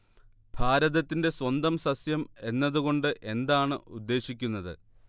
ഭാരതത്തിന്റെ സ്വന്തം സസ്യം എന്നതു കൊണ്ട് എന്താണ് ഉദ്ദേശിക്കുന്നത്